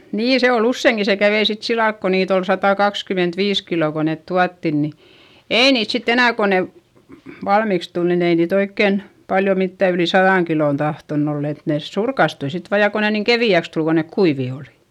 niin se oli useinkin se kävi sitten sillä lailla kun niitä oli satakaksikymmentäviisi kiloa kun ne tuotiin niin ei niitä sitten enää kun ne valmiiksi tuli niin ei niitä oikein paljon mitään yli sadan kilon tahtonut olla että ne surkastui sitten vain ja kun ne niin keveäksi tuli kun ne kuivia oli